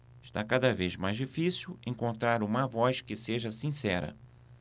está cada vez mais difícil encontrar uma voz que seja sincera